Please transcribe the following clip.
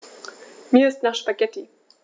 Mir ist nach Spaghetti.